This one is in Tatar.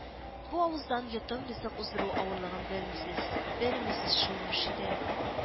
Бу авыздан йотым ризык уздыру авырлыгын белмисез, белмисез шул, Мөршидә